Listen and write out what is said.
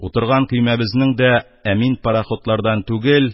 Утырган көймәбезнең дә әмин пароходлардан түгел,